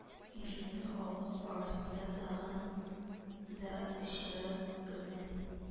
Инженер халык арасына тагы да эчкәрәк керде